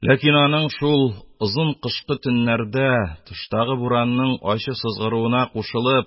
Ләкин аның шул озын кышкы төннәрдә, тыштагы буранның ачы сызгыруына кушылып,